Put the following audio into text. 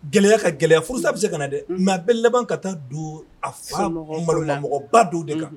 Gɛlɛya ka gɛlɛya furusa a bɛ se ka na dɛ mɛ bɛɛ laban ka taa don a fa malo la mɔgɔ ba don de kan